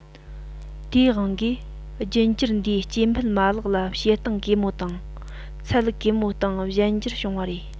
དེའི དབང གིས རྒྱུད འགྱུར འདིའི སྐྱེ འཕེལ མ ལག ལ བྱེད སྟངས གེ མོ དང ཚད གེ མོའི སྟེང གཞན འགྱུར བྱུང བ རེད